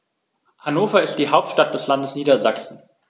Hannover ist die Hauptstadt des Landes Niedersachsen.